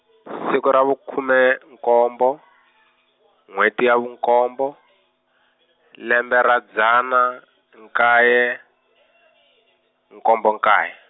siku ra vukhume nkombo, n'wheti ya vunkombo, lembe ra dzana, nkaye, nkombo nkaye.